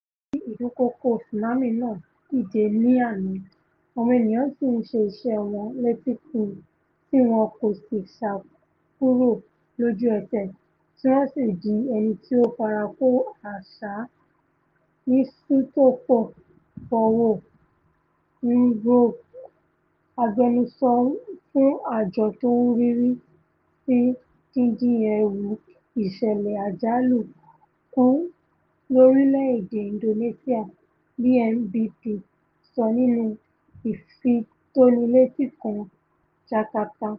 Nígbà tí ìdúnkoòkò tsunami náà dìde ní àná, àwọn ènìyàn sì ń ṣe iṣẹ́ wọn létíkun tíwọn kòsì sá kuro lójú-ẹsẹ̀ tí wọ́n sì di ẹniti o farakó-áásá,'' ni Sutopo Purwo Nugroho, agbẹnusọ fún àjọ tó ń rísí díndín ewu ìṣẹ̀lẹ̀ àjálù kù lorílẹ̀-èdè Indonesia BNPB sọ nínú ìfitónilétí kan Jarkata.